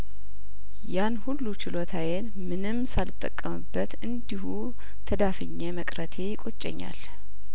ያን ሁሉ ችሎታዬን ምንም ሳልጠቀምበት እንዲሁ ተዳፍኜ መቅረቴ ይቆጨኛል